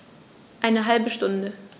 Eine halbe Stunde